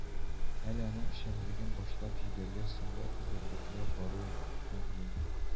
Әле аның эшчәнлеген башлап җибәрүгә соңгы әзерлекләр баруы мәгълүм